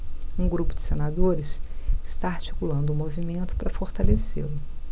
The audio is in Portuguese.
um grupo de senadores está articulando um movimento para fortalecê-lo